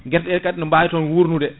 guerte ɗe kadi ne bawi ton wurnude